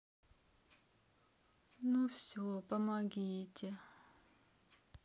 ну все помогите